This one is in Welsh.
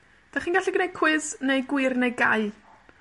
'Dach chi'n gallu gneud cwis, neu gwir neu gau.